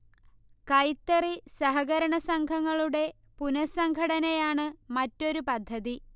കൈത്തറി സഹകരണ സംഘങ്ങളുടെ പുനഃസംഘടനയാണ് മറ്റൊരു പദ്ധതി